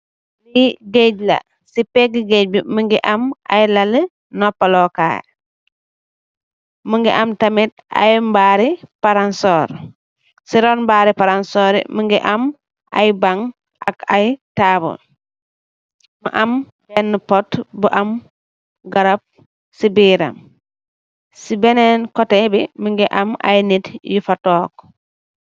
Li gaage la si peegi gaage bi mogi am mogi am ay laal nopa lu kai mogi am tamit ay mbaari palansor si ruun mbaari panasori mogi am ay bang ak ay tabul mu am bena pot bu am garab si biram si benen koteh bi mogi am ay nitt yu fa tog.